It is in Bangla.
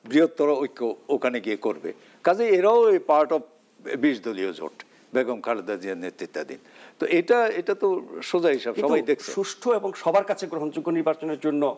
বৃহত্তর ঐক্য ওখানে গিয়ে করবে কাজেই এরাও ওই পার্ট অফ ২০ দলীয় জোট বেগম খালেদা জিয়ার নেতৃত্বাধীন এটা এটা তো সোজা হিসাব সবাই দেখছে সুষ্ঠু এবং সবার কাছে গ্রহণযোগ্য নির্বাচনের জন্য